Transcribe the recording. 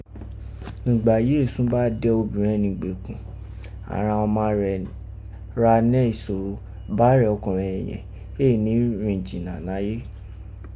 nùgbà yìí esu ba de obìrẹn ni igbekun, àghan ọma ra nẹ́ isoro bárẹ̀ ọkọ̀nrẹn yẹ̀n éè ni rẹ̀n jìnà naye.